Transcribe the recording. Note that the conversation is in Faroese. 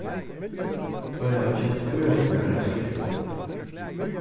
teir hava keypt fýra dunkar av spritti